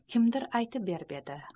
kimdir aytib bergan edi